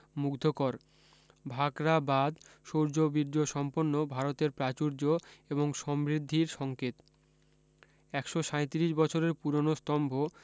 মুগ্ধকর ভাকরা বাঁধ শৌর্য বীর্য সম্পন্ন ভারতের প্রাচুর্য এবং সমৃদ্ধির সঙ্কেত একশ সাঁইত্রিশ বছরের পুরানো স্তম্ভ